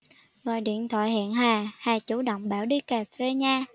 gọi điện thoại hẹn hà hà chủ động bảo đi cà phê nha